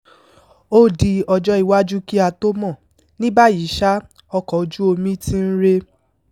Ó di ọjọ́ iwájú kí á tó mọ̀. Ní báyìí ṣá, ọkọ̀ ojú omi ti ń ré.